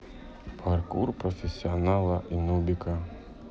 паркур профессионала и нубика